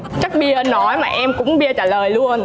chắc bia nói mà em cũng bia trả lời luôn